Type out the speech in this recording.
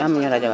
amuñu rajo waaw